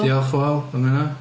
Diolch yn fawr am hynna.